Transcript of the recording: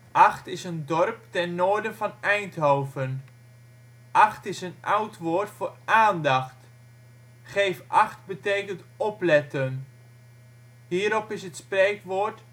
Acht is een dorp ten noorden van Eindhoven. Acht is een oud woord voor aandacht (achting); geef acht betekent opletten. Hierop is het spreekwoord